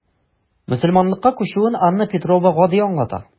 Мөселманлыкка күчүен Анна Петрова гади аңлата.